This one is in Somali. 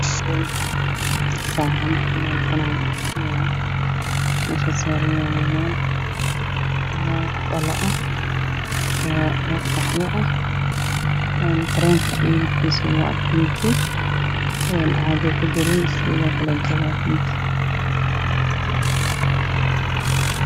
Waa sadex caag oo kareen ku jiraan oo midabkoodu yahay pinki oo saaran miis cadaan